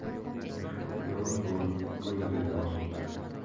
oltmishvoy giroy bo'lib o'ldi deb yozibdi